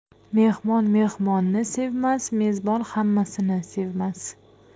mehmon mehmonni sevmas mezbon hammasini sevmas